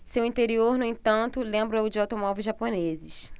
seu interior no entanto lembra o de automóveis japoneses